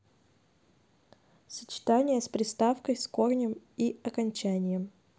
сочетание с приставкой с корнем и окончанием